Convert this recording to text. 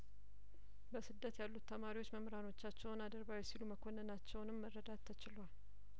በስደት ያሉት ተማሪዎች መምህራኖቻቸውን አድርባዮች ሲሉ መኮነናቸውንም መረዳት ተችሏል